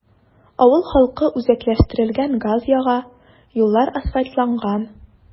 Авыл халкы үзәкләштерелгән газ яга, юллар асфальтланган.